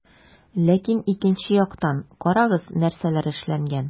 Ләкин икенче яктан - карагыз, нәрсәләр эшләнгән.